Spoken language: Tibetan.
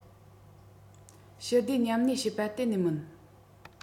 ཞི བདེ མཉམ གནས བྱེད པ གཏན ནས མིན